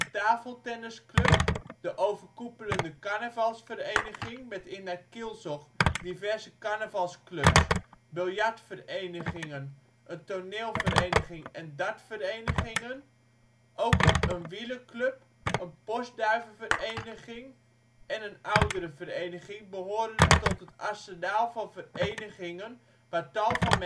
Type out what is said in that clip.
tafeltennisclub, de overkoepelende carnavalsvereniging met in haar kielzog diverse carnavalsclubs, biljartverenigingen, een toneelvereniging en dartverenigingen. Ook een wielerclub, een postduivenvereniging en een ouderenvereniging behoren tot het arsenaal van verenigingen waar tal van mensen